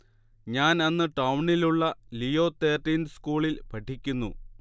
ഞാൻ അന്ന് ടൗണിൽ ഉള്ള ലീയോ തേർട്ടീന്ത് സ്കൂളിൽ പഠിക്കുന്നു